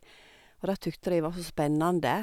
Og det tykte de var så spennende.